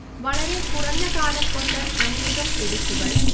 വളരെ കുറഞ്ഞ കാലം കൊണ്ട് അനേകം എഡിറ്റുകൾ